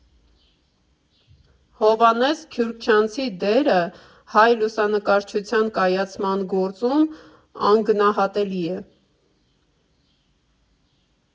Հովհաննես Քյուրքչյանցի դերը հայ լուսանկարչության կայացման գործում անգնահատելի է։